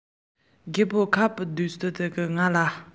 རྒད པོ སྨ ར ཅན དེས ང ལ